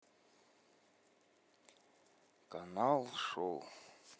канал шоу